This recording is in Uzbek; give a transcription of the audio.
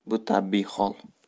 bu tabiiy hol